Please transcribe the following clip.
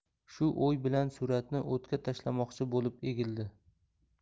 shu o'y bilan suratni o'tga tashlamoqchi bo'lib egildi